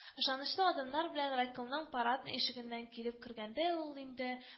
Ышанычлы адымнар белән райкомның парадный ишегеннән килеп кергәндә ул инде